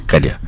kat ya